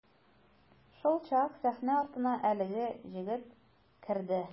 Шулчак сәхнә артына әлеге җегет керде.